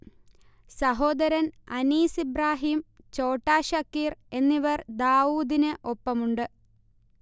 സഹോദരൻ അനീസ് ഇബ്രാഹിം ചോട്ടാ ഷക്കീർ എന്നിവർ ദാവുദിനു ഒപ്പമുണ്ട്